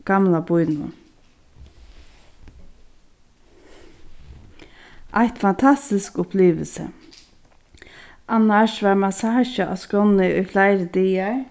gamla býnum eitt fantastiskt upplivilsi annars var massasja á skránni í fleiri dagar